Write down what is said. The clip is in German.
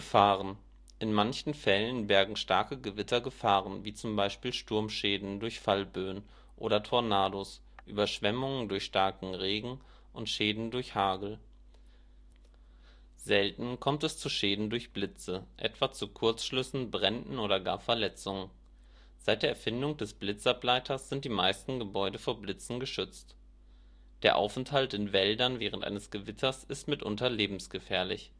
In manchen Fällen bergen starke Gewitter Gefahren, wie z. B. Sturmschäden durch Fallböen (Downbursts) oder Tornados, Überschwemmungen durch starken Regen und Schäden durch Hagel. Selten kommt es zu Schäden durch Blitze, etwa zu Kurzschlüssen, Bränden oder gar Verletzungen. Seit der Erfindung des Blitzableiters sind die meisten Gebäude vor Blitzen geschützt. Der Aufenthalt in Wäldern während eines Gewitters ist mitunter lebensgefährlich